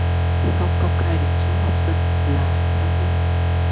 không công khai điểm số học sinh là giấu dốt